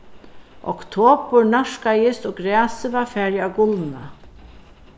oktobur nærkaðist og grasið var farið at gulna